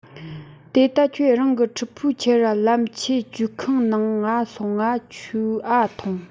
དེ ད ཁྱོས རང གི ཁྲེ ཕིའོ ཁྱེར ར ལམ ཆས བཅོའུ ཁང ནང ང སོང ང ཆོའུ འ ཐོངས